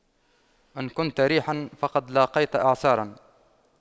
إن كنت ريحا فقد لاقيت إعصارا